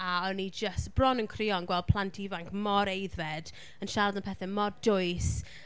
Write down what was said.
A o'n i jyst bron yn crio'n gweld plant ifanc mor aeddfed, yn siarad am pethau mor dwys...